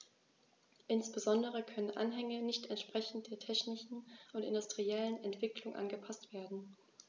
Insbesondere können Anhänge nicht entsprechend der technischen und industriellen Entwicklung angepaßt werden.